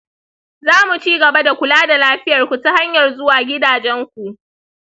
zamu cigaba da kula da lafiyarku ta hanyar zuwa gidajenku.